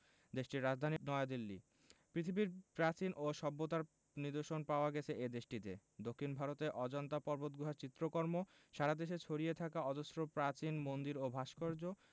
দেশটির রাজধানী নয়াদিল্লী পৃথিবীর প্রাচীন ও সভ্যতার নিদর্শন পাওয়া গেছে এ দেশটিতে দক্ষিন ভারতে অজন্তা পর্বতগুহার চিত্রকর্ম সারা দেশে ছড়িয়ে থাকা অজস্র প্রাচীন মন্দির ও ভাস্কর্য